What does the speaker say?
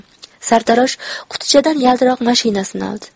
sartarosh qutichadan yaltiroq mashinasini oldi